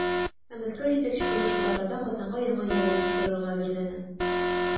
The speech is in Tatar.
Ә Мәскәү җитәкчелеге шул арада Казанга яңа яу оештырырга әзерләнә.